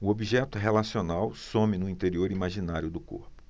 o objeto relacional some no interior imaginário do corpo